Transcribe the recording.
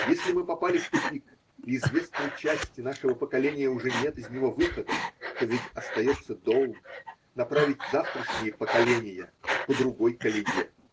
Если мы попали в тупик и известной части нашего поколения уже нет из него выхода, то ведь остается долг – направить завтрашние поколения по другой колее.